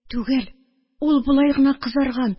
Түгел, ул болай гына кызарган.